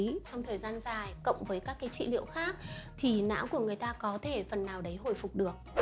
trong thời gian dài cộng với các cái trị liệu khác thì não người ta có thể phần nào đấy hồi phục được